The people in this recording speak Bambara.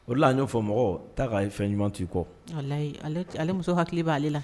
Olu a y'o fɔ mɔgɔ ta ka ye fɛn ɲuman ti kɔ ale muso hakili b'aale la